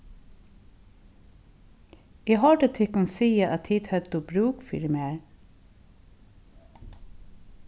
eg hoyrdi tykkum siga at tit høvdu brúk fyri mær